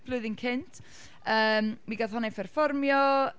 Flwyddyn cynt. Yym, mi gaeth honna’i pherfformio.